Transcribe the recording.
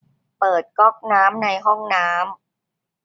เปิดก๊อกน้ำในห้องน้ำ